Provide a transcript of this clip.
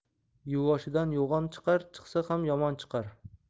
yuvvoshdan yo'g'on chiqar chiqsa ham yomon chiqar